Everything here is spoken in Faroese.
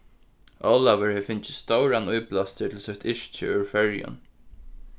ólavur hevur fingið stóran íblástur til sítt yrki úr føroyum